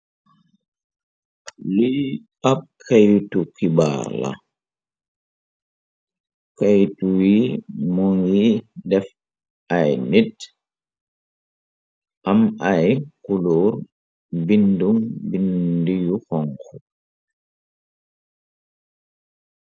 Li ab kaytu kibaar la kaytu yi mo ngi def ay nit am ay kuloor bindum bindi yu xonxu